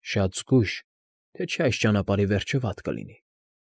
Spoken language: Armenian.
Շատ զգույշ, թե չէ այս ճանապարհի վերջը վատ կլինի»։